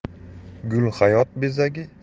gul hayot bezagi